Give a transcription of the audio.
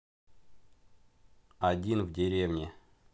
один в деревне